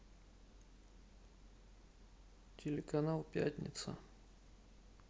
телеканал пятница